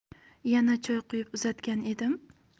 yana choy quyib uzatgan edim